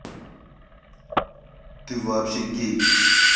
ты вообще гей